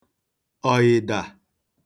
ọ̀ị̀dà